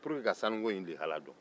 pour que ka sanu ko in lihala dɔ